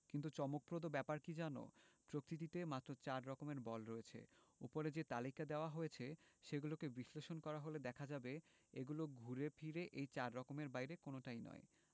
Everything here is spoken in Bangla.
কিন্তু চমকপ্রদ ব্যাপারটি কী জানো প্রকৃতিতে মাত্র চার রকমের বল রয়েছে ওপরে যে তালিকা দেওয়া হয়েছে সেগুলোকে বিশ্লেষণ করা হলে দেখা যাবে এগুলো ঘুরে ফিরে এই চার রকমের বাইরে কোনোটা নয়